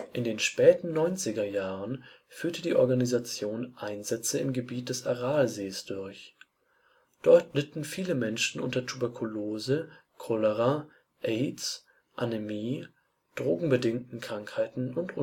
In den späten neunziger Jahren führte die Organisation Einsätze im Gebiet des Aralsees durch. Dort litten viele Menschen unter Tuberkulose, Cholera, AIDS, Anämie, drogenbedingten Krankheiten und